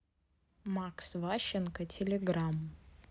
макс ващенко телеграмм